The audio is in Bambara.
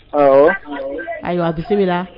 Ɔ ayiwa a kisi wulila